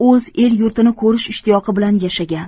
o'z el yurtini ko'rish ishtiyoqi bilan yashagan